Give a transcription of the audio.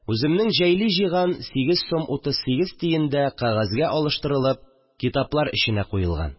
Үземнең җәйли җыйган 8 сум 38 тиен дә кәгазьгә алыштырып, китаплар эчен куелган